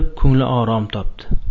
kungli orom topdi